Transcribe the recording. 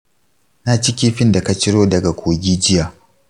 naci kifin da ka ciro daga kogi jiya.